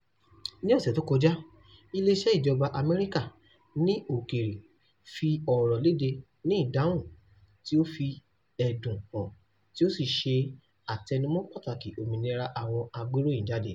Ní ọ̀sẹ̀ tí ó kọjá, Ilé-iṣẹ́ Ìjọba Amẹ́ríkà ní Òkèèrè fi ọ̀rọ̀ léde ní ìdáhùn tí ó fi ẹ̀dùn hàn tí ó sì ṣe àtẹnumọ́ pàtàkì òmìnira àwọn agbéròyìnjáde.